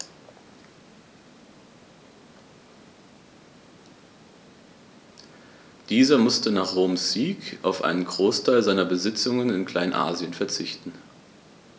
Dieser musste nach Roms Sieg auf einen Großteil seiner Besitzungen in Kleinasien verzichten.